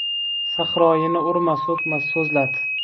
sahroyini urma so'kma so'zlat